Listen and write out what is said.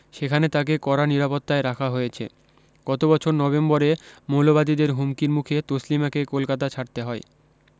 সেখানে তাঁকে কড়া নিরাপত্তায় রাখা হয়েছে গত বছর নভেম্বরে মৌলবাদীদের হুমকির মুখে তসলিমাকে কলকাতা ছাড়তে হয়